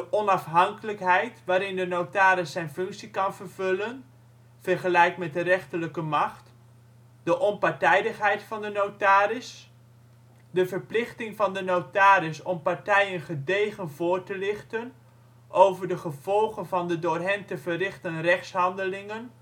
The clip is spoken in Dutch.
onafhankelijkheid waarin de notaris zijn functie kan vervullen (vergelijk met de rechterlijke macht) de onpartijdigheid van de notaris de verplichting van de notaris om partijen gedegen voor te lichten over de gevolgen van de door hen te verrichten rechtshandelingen